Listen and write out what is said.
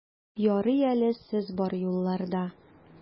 Ярый әле сез бар юлларда!